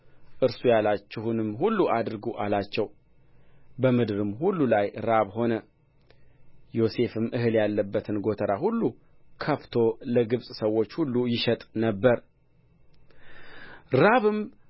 እርሱ ያላችሁንም ሁሉ አድርጉ አላቸው በምድርም ሁሉ ላይ ራብ ሆነ ዮሴፍም እህል ያለበትን ጎተራ ሁሉ ከፍቶ ለግብፅ ሰዎች ሁሉ ይሸጥ ነበር ራብም